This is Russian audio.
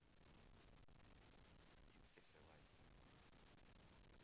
тебе все лайки